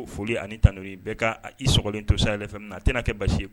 Foli ani tan bɛɛ ka i sogo to saya fɛ a tɛna' kɛ basi ye